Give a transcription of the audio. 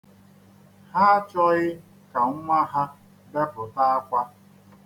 Ha achọghị ka nnwa ha bepụta akwa.